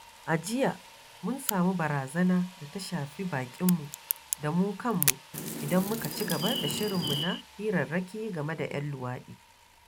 A jiya mun samu barazana da ta shafi baƙinmu da mu kanmu idan muka cigaba da shirinmu na hirarraki game da 'yan luwaɗi.